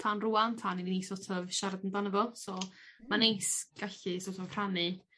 tan rŵan tan i ni so't of siarad amdano fo so ma'n neis gallu so't of rhannu